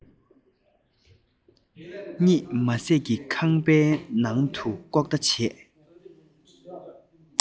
གཉིད མ སད ཀྱིས ཁང པའི ནང དུ ལྐོག ལྟ བྱས